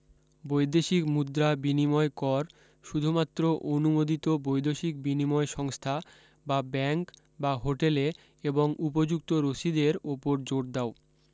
বৈদেশিক মুদ্রা বিনিময় কর শুধুমাত্র অনুমোদিত বৈদেশিক বিনিময় সংস্থায় বা ব্যাংক বা হোটেলে এবং উপযুক্ত রসিদের উপর জোর দাও